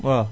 waaw